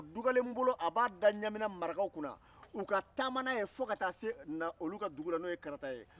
dubalenbolo a b'a da ɲamina marakaw kunna u ka taama n'a ye fɔ ka taa se olu ka dugu la n'o ye karata ye